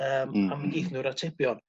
yym hmm a mi geith nw'r atebion